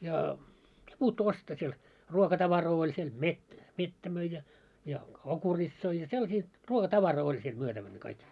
ja mitä puuttuu ostaa siellä ruokatavaraa oli siellä - mettä myi ja ja okuritsoja ja sellaisia ruokatavaraa oli siellä myytävänä kaikki